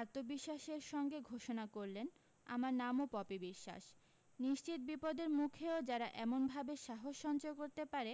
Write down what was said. আত্মবিশ্বাসের সঙ্গে ঘোষণা করলেন আমার নামও পপি বিশ্বাস নিশ্চিত বিপদের মুখেও যারা এমনভাবে সাহস সঞ্চয় করতে পারে